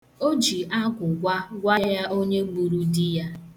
O ji agwụgwa gwa ya onye gburu di ya.